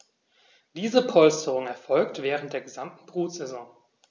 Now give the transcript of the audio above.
Diese Polsterung erfolgt während der gesamten Brutsaison.